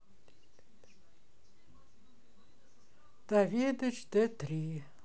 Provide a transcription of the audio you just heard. давидыч д три